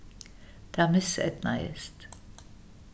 tað miseydnaðist